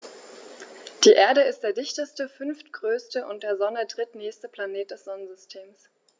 Die Erde ist der dichteste, fünftgrößte und der Sonne drittnächste Planet des Sonnensystems.